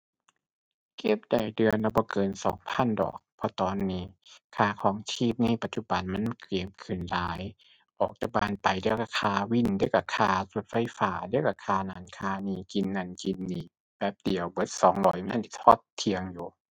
เก็บได้เดือนละบ่เกินสองพันดอก เพราะตอนนี้ค่าครองชีพในปัจจุบันมันเก็บขึ้นหลาย ออกจากบ้านไปเดี๋ยวก็ค่าวิน เดี๋ยวก็ค่ารถไฟฟ้า เดี๋ยวก็ค่านั้นค่านี้ กินนั้นกินนี้ แป๊บเดียวเบิดสองร้อยบ่ทันได้พอเที่ยงอยู่